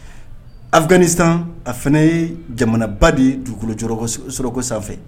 Afigani san a fana ye jamanaba de ye dugukolo su sanfɛ